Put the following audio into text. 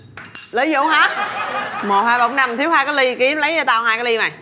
lợi dụng hả một hai ba bốn năm thiếu hai cái li kiếm lấy cho tao hai cái li mày